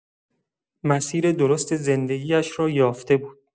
مسیر درست زندگی‌اش را یافته بود.